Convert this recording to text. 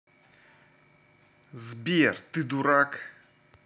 сбер ты дурак